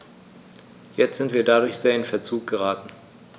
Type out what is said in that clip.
Jetzt sind wir dadurch sehr in Verzug geraten.